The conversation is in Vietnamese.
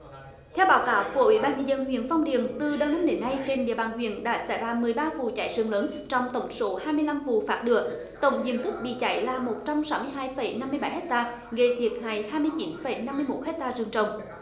theo báo cáo của ủy ban nhân dân huyện phong điền từ đầu năm đến nay trên địa bàn huyện đã xảy ra mười ba vụ cháy rừng lớn trong tổng số hai mươi lăm vụ phát lửa tổng diện tích bị cháy là một trăm sáu mươi hai phẩy năm mươi bảy héc ta gây thiệt hại hai mươi chín phẩy năm mươi mốt héc ta rừng trồng